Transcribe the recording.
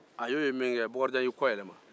a ye o ye min kɛ bokarijan y'i kɔ yɛlɛma